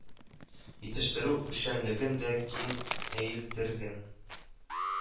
Итештерү эшчәнлеген дә киң әелдергән